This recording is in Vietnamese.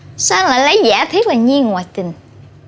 sao anh lại lấy giả thiết là nhi ngoại tình